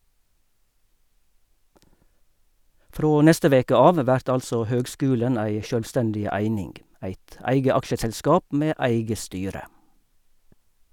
Frå neste veke av vert altså høgskulen ei sjølvstendig eining, eit eige aksjeselskap med eige styre.